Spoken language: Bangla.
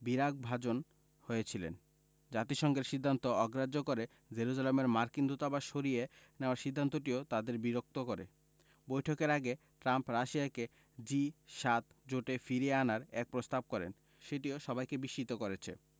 বিরাগভাজন হয়েছিলেন জাতিসংঘের সিদ্ধান্ত অগ্রাহ্য করে জেরুজালেমে মার্কিন দূতাবাস সরিয়ে নেওয়ার সিদ্ধান্তটিও তাদের বিরক্ত করে বৈঠকের আগে ট্রাম্প রাশিয়াকে জি ৭ জোটে ফিরিয়ে আনার এক প্রস্তাব করেন সেটিও সবাইকে বিস্মিত করেছে